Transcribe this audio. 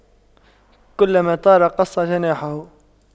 كلما طار قص جناحه